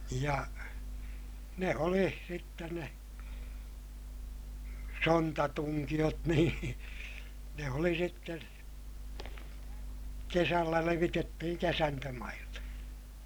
ja ne oli sitten ne sontatunkiot niin ne oli sitten kesällä levitettiin kesantomaille